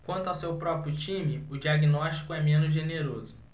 quanto ao seu próprio time o diagnóstico é menos generoso